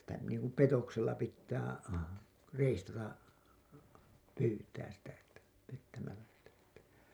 että sitä niin kuin petoksella pitää reistata pyytää sitä että pettämällä sitä että